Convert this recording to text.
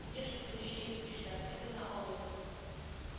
Еш бозучы йөртүчеләрне генә алыйк